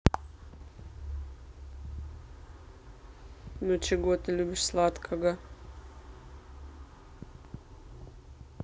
ну чего ты любишь сладкого